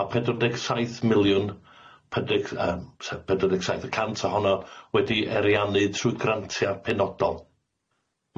a pedwar deg saith miliwn pedreg yym se- pedreg saith y cant a honno wedi ariannu trwy grantia penodol.